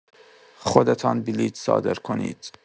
خودتان بلیت صادر کنید.